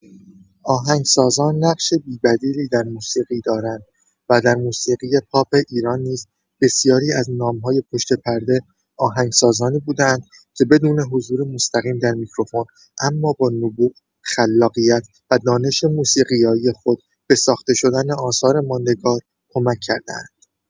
آهنگسازان نقش بی‌بدیلی در موسیقی دارند و در موسیقی پاپ ایران نیز بسیاری از نام‌های پشت‌پرده، آهنگسازانی بوده‌اند که بدون حضور مستقیم در میکروفون اما با نبوغ، خلاقیت و دانش موسیقایی خود به ساخته‌شدن آثار ماندگار کمک کرده‌اند.